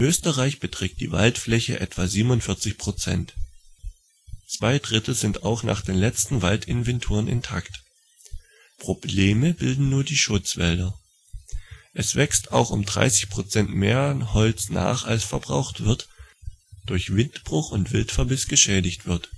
Österreich beträgt die Waldfläche etwa 47 %. Zwei Drittel sind auch nach den letzten Waldinventuren intakt. Probleme bilden nur die Schutzwälder. Es wächst auch um 30 % mehr Holz nach als verbraucht wird oder durch Windbruch oder Wildverbiss geschädigt wird